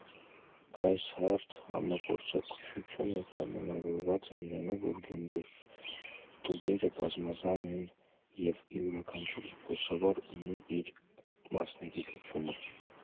Այս հարթ համագործակցությունը պայմանավորված է նրանով, որ Գյումրու տուրերը բազմազան են և յուրաքանչյուր զբոսավար ունի իր մասնագիտացումը։